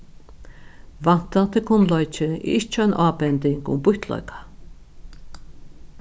vantandi kunnleiki er ikki ein ábending um býttleika